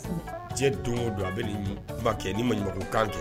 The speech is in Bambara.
Diɲɛ don o don a bɛ ba kɛ ni ma kan jɔ